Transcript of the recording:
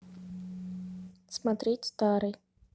смотреть старый